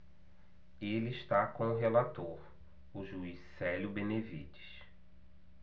ele está com o relator o juiz célio benevides